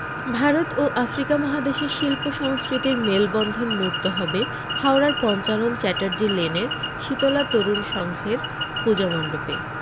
ভারত ও আফ্রিকা মহাদেশের শিল্পসংস্কৃতীর মেলবন্ধন মূর্ত হবে হাওড়ার পঞ্চানন চ্যাটার্জি লেনের শীতলা তরুণ সংঘের পূজোমন্ডপে